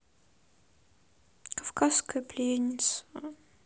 кавказская пленница